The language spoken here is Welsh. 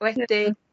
Waeth dwi,